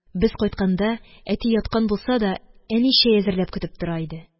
Без кайтканда, әти яткан булса да, әни чәй әзерләп көтеп тора иде.